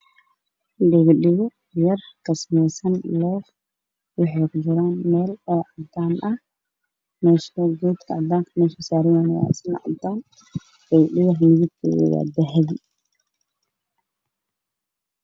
Meeshan waa mise caddaan waxaa saaran labo dhego oo midabkoodu yahay dahabi